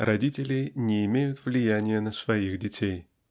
родители не имеют влияния на своих детей.